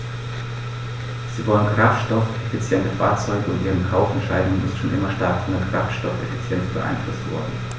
Sie wollen kraftstoffeffiziente Fahrzeuge, und ihre Kaufentscheidung ist schon immer stark von der Kraftstoffeffizienz beeinflusst worden.